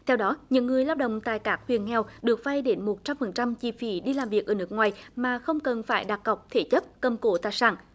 theo đó những người lao động tại các huyện nghèo được vay đến một trăm phần trăm chi phí đi làm việc ở nước ngoài mà không cần phải đặt cọc thế chấp cầm cố tài sản